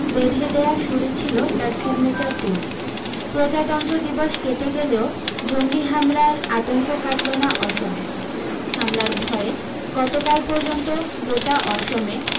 বেঁধে দেওয়া সুরি ছিল তার সিগনেচার টিউন প্রজাতন্ত্র দিবস কেটে গেলেও জঙ্গি হামলার আতঙ্ক কাটল না অসমে হামলার ভয়ে গতকাল পর্যন্ত গোটা অসমে